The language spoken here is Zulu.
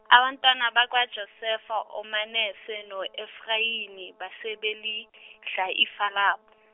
abantwana bakwaJosefa oManese noEfrayimi base belidla ifa labo.